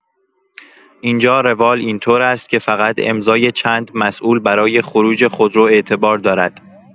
اینجا روال اینطور است که فقط امضای چند مسئول برای خروج خودرو اعتبار دارد.